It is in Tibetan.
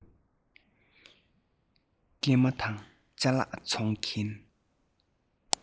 རྐུན མ དང ཅ ལག འཚོང མཁན